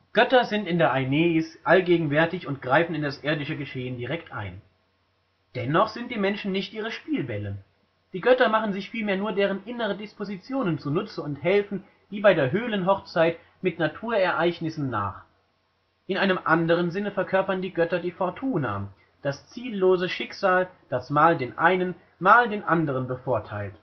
Götter sind in der Aeneis allgegenwärtig und greifen in das irdische Geschehen direkt ein. Dennoch sind die Menschen nicht ihre Spielbälle. Die Götter machen sich vielmehr nur deren innere Dispositionen zu Nutze und helfen, wie bei der Höhlenhochzeit, mit Naturereignissen nach. In einem anderen Sinne verkörpern die Götter die fortuna, das ziellose Schicksal, das mal den einen, mal den anderen bevorteilt